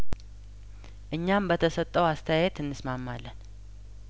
እኛም በተሰጠው አስተያየት እንስማማለን